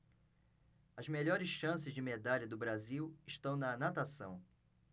as melhores chances de medalha do brasil estão na natação